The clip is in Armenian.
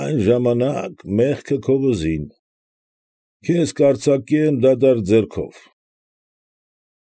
Այն ժամանակ մեղքը քո վզին, քեզ կարձակեմ դատարկ ձեռքով։